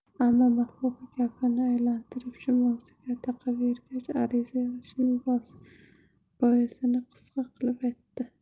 ammo mahbuba gapni aylantirib shu mavzuga taqayvergach ariza yozishining boisini qisqa qilib aytdi